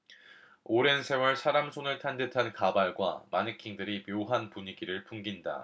오랜 세월 사람 손을 탄 듯한 가발과 마네킹들이 묘한 분위기를 풍긴다